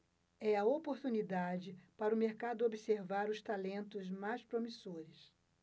é a oportunidade para o mercado observar os talentos mais promissores